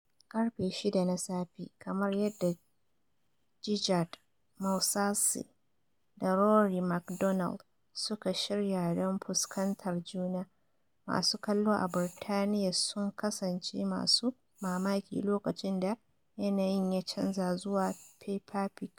Ƙarfe 6 na safe, kamar yadda Gegard Mousasi da Rory MacDonald suka shirya don fuskantar juna, masu kallo a Birtaniya sun kasance masu mamaki lokacin da yanayin ya canza zuwa Peppa Pig.